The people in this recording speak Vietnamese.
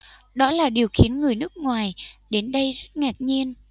đó là điều khiến người nước ngoài đến đây rất ngạc nhiên